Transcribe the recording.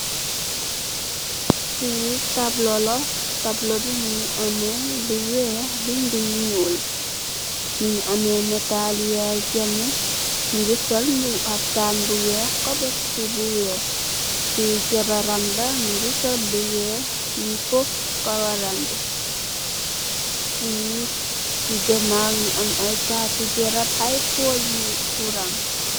Fee tablo la tablo be muge ameh lu weex bede yu nuul muge ameh natale Yaya Jammeh muge sol mu haftan bu weex kupate bu weex fe jabaram muge sol lu weex muge puff kawaram be fe se ganaw muge am aye tate garab aye pole yu currang.